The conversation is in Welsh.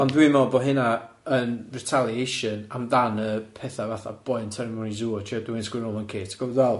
Ond dwi'n meddwl bo' hynna yn retaliation amdan y petha fatha boi yn torri mewn i zoo a trio dwyn squirrel mwnci ti'n gwbod be dwi'n feddwl?